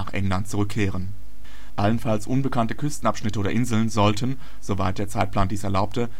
England zurückkehren. Allenfalls unbekannte Küstenabschnitte oder Inseln sollten, soweit der Zeitplan dies erlaubte